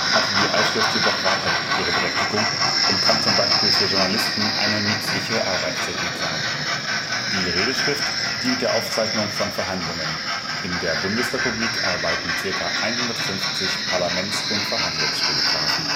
hat die Eilschrift jedoch weiter ihre Berechtigung und kann z. B. für Journalisten eine nützliche Arbeitstechnik sein. Die Redeschrift dient der Aufzeichnung von Verhandlungen. In der Bundesrepublik arbeiten ca. 150 Parlaments - und Verhandlungsstenographen